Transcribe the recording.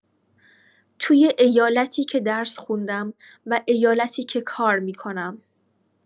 توی ایالتی که درس خوندم و ایالتی که کار می‌کنم